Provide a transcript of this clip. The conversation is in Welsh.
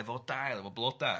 ...efo dail efo bloda'... M-hm.